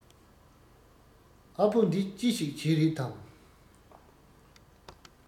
ཨ ཕོ འདི ཅི ཞིག བྱས རེད དམ